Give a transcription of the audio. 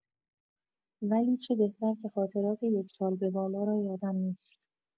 ولی چه بهتر که خاطرات یکسال به بالا را یادم نیست.